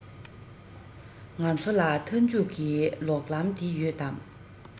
ང ཚོ ལ མཐའ མཇུག གི ལོག ལམ དེ ཡོད དམ